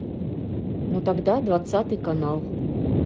ну тогда двадцатый канал